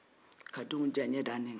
ka denw diyaye da an ni kan